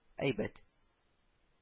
Әйбәт